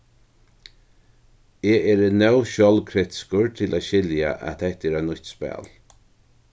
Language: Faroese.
eg eri nóg sjálvkritiskur til at skilja at hetta er eitt nýtt spæl